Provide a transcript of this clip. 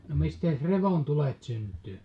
no mistä revontulet syntyy